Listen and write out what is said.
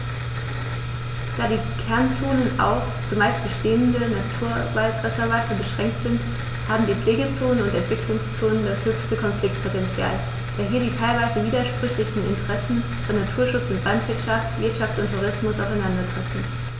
Da die Kernzonen auf – zumeist bestehende – Naturwaldreservate beschränkt sind, haben die Pflegezonen und Entwicklungszonen das höchste Konfliktpotential, da hier die teilweise widersprüchlichen Interessen von Naturschutz und Landwirtschaft, Wirtschaft und Tourismus aufeinandertreffen.